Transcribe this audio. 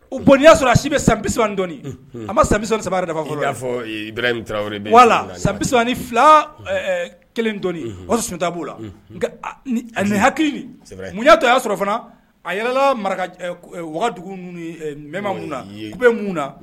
O bon y'a sɔrɔ a si bɛ sanban dɔɔnin a ma sansa saba da fɔlɔ y'a wala san bisaban ni fila keleni sunjatata b'o la a nin hakiliki ŋ'a tɔ y'a sɔrɔ fana a yɛlɛla maraka wagadugu minnu mɛma na i bɛ mun na